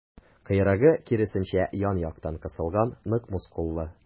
Койрыгы, киресенчә, ян-яктан кысылган, нык мускуллы.